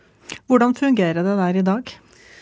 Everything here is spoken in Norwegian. hvordan fungerer det der i dag?